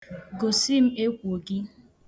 Gosi m ekwo gị.